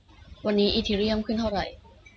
วันนี้อีเธอเรียมขึ้นเท่าไหร่